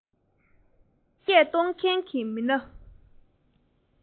འཇིག རྟེན འདི འཕེལ རྒྱས གཏོང མཁན གྱི མི སྣ